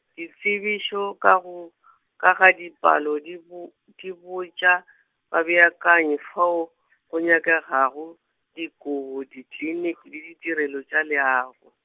ditsebišo ka go , ka ga dipalo di bo, di botša babeakanyi fao, go nyakegago, dikolo dikliniki le ditirelo tša leago.